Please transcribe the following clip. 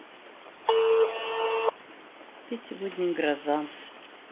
ты сегодня гроза